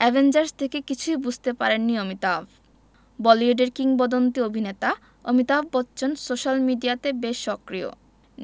Avengers দেখে কিছুই বুঝতে পারেননি অমিতাভ বলিউডের কিংবদন্তী অভিনেতা অমিতাভ বচ্চন সোশ্যাল মিডিয়াতে বেশ সক্রিয়